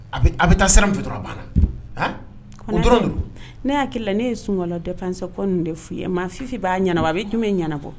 A a bɛ taa siran dɔrɔn banna la ne hakilila ne ye sun la de fɛn sa kɔn nin de f'i ye maa fifin b'a ɲɛnaana a bɛ dumuni ɲɛna bɔ